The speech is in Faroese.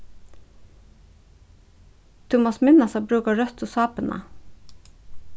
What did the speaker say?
tú mást minnast at brúka røttu sápuna